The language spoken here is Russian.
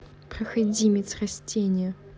проходимец растения